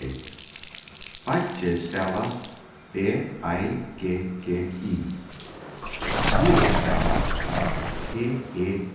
r beiggi stavast b ei g g i tequila stavast t e